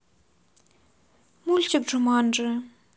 мультик джуманджи